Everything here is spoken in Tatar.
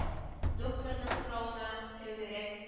Докторның соравына тәүдәрәк